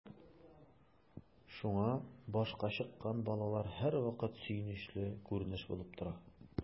Шуңа “башка чыккан” балалар һәрвакыт сөенечле күренеш булып тора.